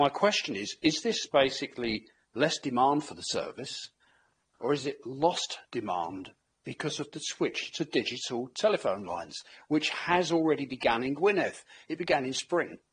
My question is, is this basically less demand for the service, or is it lost demand because of the switch to digital telephone lines, which has already begun in Gwynedd, it began in Spring.